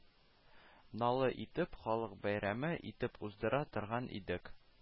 Налы итеп, халык бәйрәме итеп уздыра торган идек